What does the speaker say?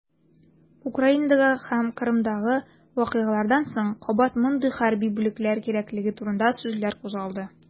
Украинадагы һәм Кырымдагы вакыйгалардан соң кабат мондый хәрби бүлекләр кирәклеге турында сүзләр кузгалды.